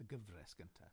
Y gyfres gynta.